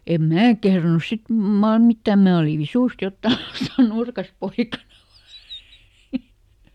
en minä kehdannut sitten mar mitään minä olin visusti jotakin aikaa nurkassa poikana vain